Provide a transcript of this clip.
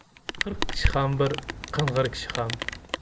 qirq kishi ham bir qing'ir kishi ham